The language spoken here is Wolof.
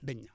deñ na